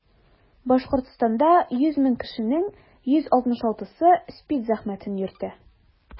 Башкортстанда 100 мең кешенең 166-сы СПИД зәхмәтен йөртә.